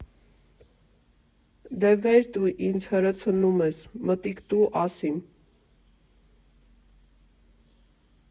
֊ Դե վեր տու ինձ հըրցընումըս, մտիկ տո ասիմ։